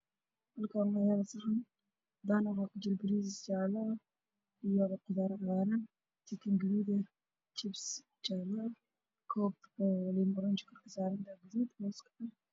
Waa miis waxaa saaran saxan waxaa ku jiro hilib iyo jibsi waxaa kaloo ii muuqdo koob uu ku jiro cabitaan